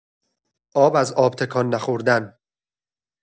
آب از آب تکان نخوردن